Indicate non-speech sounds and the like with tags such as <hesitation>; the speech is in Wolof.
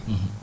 <hesitation> <hesitation>